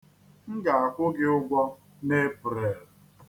M ga-akwụ gị ụgwọ n'Epreel.